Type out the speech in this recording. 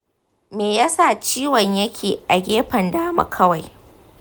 me yasa ciwon yake a gefen dama kawai?